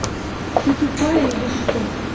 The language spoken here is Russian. ты тупая или что